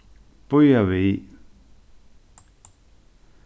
bíða við